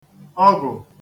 ọgwụ̀